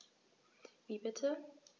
Wie bitte?